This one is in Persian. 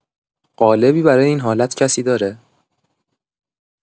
قالبی برای این حالت کسی داره؟